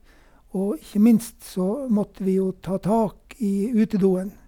Og ikke minst så måtte vi jo ta tak i utedoen.